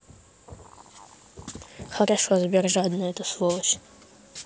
хорошо сбер жадное это сволочь